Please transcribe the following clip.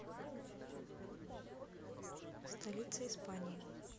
столица испании